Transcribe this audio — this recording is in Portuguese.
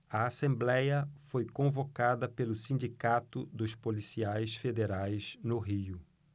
a assembléia foi convocada pelo sindicato dos policiais federais no rio